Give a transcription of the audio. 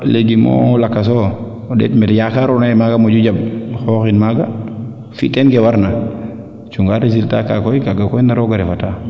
legume mo lakaso o ndeet me yakarona ye mene moƴu jamb o xooxin maaga fi teen ke warna cunga resultat kaa koy kaaga koy na rooga refa ta